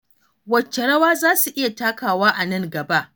Wacce rawa za su iya takawa a nan gaba?